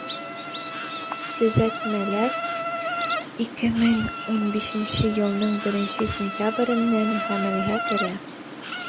Төзәтмәләр 2015 елның 1 сентябреннән гамәлгә керә.